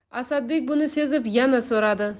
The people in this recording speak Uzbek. asadbek buni sezib yana so'radi